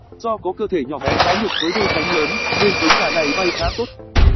do có cơ thể nhỏ bé trái ngược với đôi cánh lớn nên giống gà này bay khá tốt